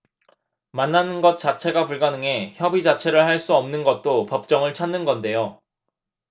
만나는 것 자체가 불가능해 협의 자체를 할 수 없는 것도 법정을 찾는 건데요